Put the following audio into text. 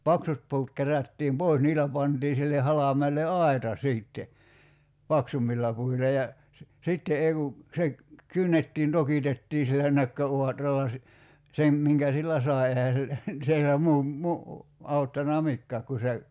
paksut puut kerättiin pois niillä pantiin sille halmeelle aita sitten paksummilla puilla ja se sitten ei kun se kynnettiin tokitettiin sillä nökköauralla - sen minkä sillä sai eihän sillä siellä muu - auttanut mikään kun se